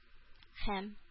Һәм